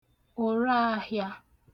òraāhị̄ā